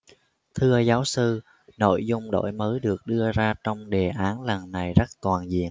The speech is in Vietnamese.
thưa giáo sư nội dung đổi mới được đưa ra trong đề án lần này rất toàn diện